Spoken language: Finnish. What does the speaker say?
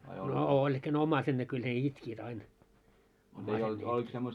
no oli ehkä ne omaiset ne kyllä ne itkivät aina omaiset ne itkivät